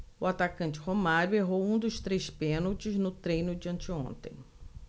o atacante romário errou um dos três pênaltis no treino de anteontem